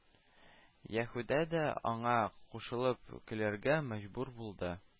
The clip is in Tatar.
Яһүдә дә аңа кушылып көләргә мәҗбүр булды